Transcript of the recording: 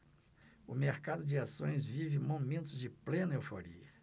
o mercado de ações vive momentos de plena euforia